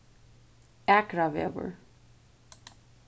akravegur